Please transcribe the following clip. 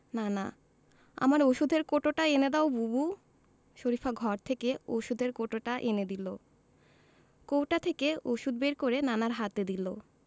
নানা আমার ঔষধের কৌটোটা এনে দাও বুবু শরিফা ঘর থেকে ঔষধের কৌটোটা এনে দিল কৌটা থেকে ঔষধ বের করে নানার হাতে দিল